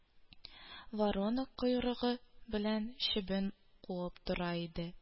Воронок койрыгы белән чебен куып тора иде